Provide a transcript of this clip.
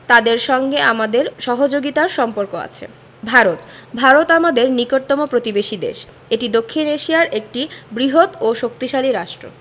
তাদের সঙ্গে আমাদের সহযোগিতার সম্পর্ক আছে ভারত ভারত আমাদের নিকটতম প্রতিবেশী দেশএটি দক্ষিন এশিয়ার একটি বৃহৎ ও শক্তিশালী রাষ্ট্র